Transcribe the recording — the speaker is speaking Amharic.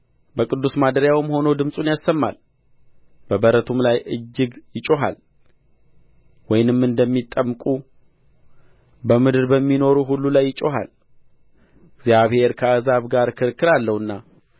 በቅዱስ ማደሪያውም ሆኖ ድምፁን ያሰማል በበረቱ ላይ እጅግ ይጮኻል ወይንም እንደሚጠምቁ በምድር በሚኖሩ ሁሉ ላይ ይጮኻል እግዚአብሔር ከአሕዛብ ጋር ክርክር አለውና